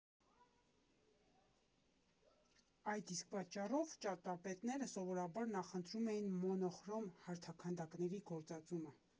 Այդ իսկ պատճառով ճարտարապետները սովորաբար նախընտրում էին մոնոխրոմ հարթաքանդակների գործածումը։